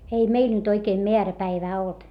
ei meillä nyt oikein määräpäivää ollut